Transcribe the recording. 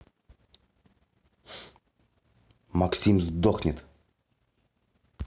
максим сдохнет